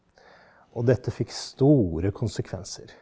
og dette fikk store konsekvenser.